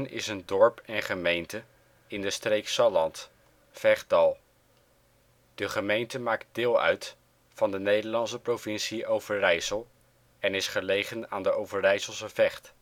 is een dorp en gemeente in de streek Salland (Vechtdal). De gemeente maakt deel uit van de Nederlandse provincie Overijssel en is gelegen aan de Overijsselse Vecht